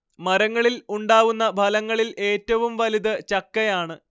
മരങ്ങളിൽ ഉണ്ടാവുന്ന ഫലങ്ങളിൽ ഏറ്റവും വലുത് ചക്കയാണ്